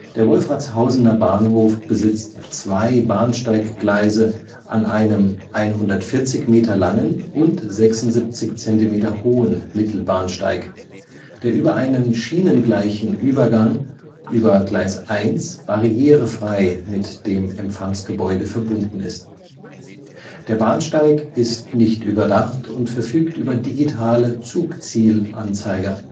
Der Wolfratshausener Bahnhof besitzt zwei Bahnsteiggleise an einem 140 Meter langen und 76 Zentimeter hohen Mittelbahnsteig, der über einen schienengleichen Übergang über Gleis 1 barrierefrei mit dem Empfangsgebäude verbunden ist. Der Bahnsteig ist nicht überdacht und verfügt über digitale Zugzielanzeiger